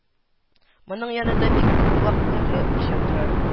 Моның янында бик күп вак герле үлчәү тора